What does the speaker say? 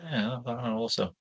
Ie, mae hwnna'n awesome.